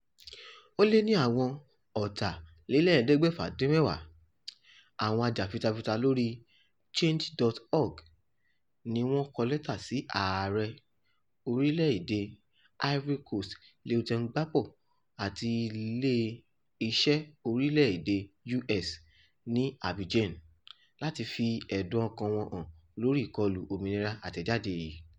Ó lé ní àwọn 1,150 àwọn ajàfitafita lórí Change.org ní wọ́n kọ́ lẹ́tà sí Ààrẹ orílẹ̀ èdè Ivory Coast Laurent Gbagbọ àti ilé iṣẹ́ orílẹ̀ èdè U.S ní Abidjan láti fi ẹ̀dùn ọkàn wọn hàn lórí ìkọlù òmìnira àtẹ̀jáde yìí.